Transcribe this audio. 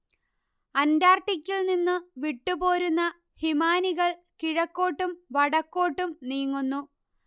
അന്റാർട്ടിക്കിൽനിന്നു വിട്ടുപോരുന്ന ഹിമാനികൾ കിഴക്കോട്ടും വടക്കോട്ടും നീങ്ങുന്നു